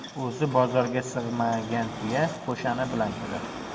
o'zi bozorga sig'magan tuya qo'shani bilan kirar